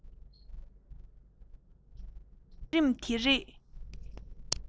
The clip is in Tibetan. བྱུང རིམ དེ རིགས